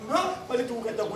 ' t'u kɛ da